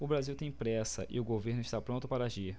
o brasil tem pressa e o governo está pronto para agir